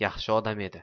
yaxshi odam edi